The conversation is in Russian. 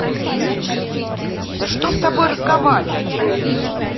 да что с тобой разговаривать